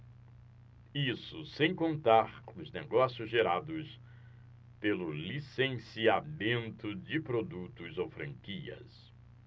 isso sem contar os negócios gerados pelo licenciamento de produtos ou franquias